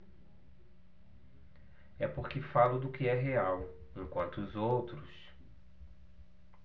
é porque falo do que é real enquanto os outros